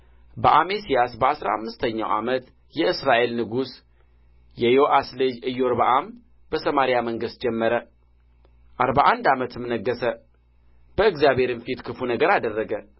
በአሜስያስ በአሥራ አምስተኛው ዓመት የእስራኤል ንጉሥ የዮአስ ልጅ ኢዮርብዓም በሰማርያ መንገሥ ጀመረ አርባ አንድ ዓመትም ነገሠ በእግዚአብሔርም ፊት ክፉ ነገር አደረገ